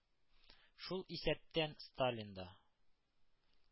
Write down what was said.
Шул исәптән – сталин да».